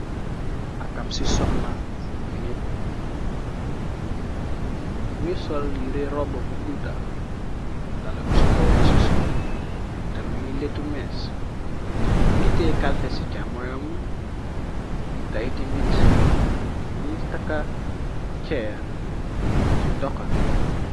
akam ci soxna mi ngi taxaw di foto mi ngi sol yire roba bu guddha dala ku ci kow bu ci suuf te mi ngi letu mees mi ngi tee kalpe ci chamoyom tey tamit mi ngi taka cheen ci doxambi